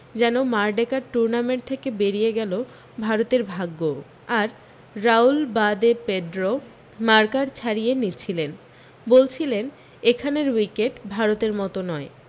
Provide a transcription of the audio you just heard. যেন Merdeka tournament থেকে বেরিয়ে গেল ভারতের ভাগ্যও আর রাউল বা দে পেডরো মার্কার ছাড়িয়ে নিচ্ছিলেন বলছিলেন এখানের উইকেট ভারতের মতো নয়